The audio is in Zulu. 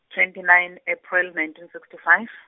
twenty nine, April, nineteen sixty five.